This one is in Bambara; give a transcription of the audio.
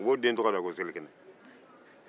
u b'o den tɔgɔ da ko selikɛnɛ